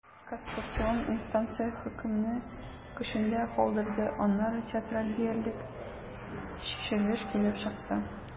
Кассацион инстанция хөкемне көчендә калдырды, аннары театраль диярлек чишелеш килеп чыкты.